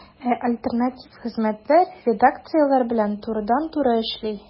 Ә альтернатив хезмәтләр редакцияләр белән турыдан-туры эшли.